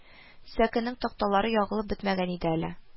Сәкенең такталары ягылып бетмәгән иде әле